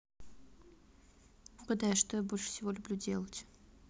угадай а что я больше всего люблю делать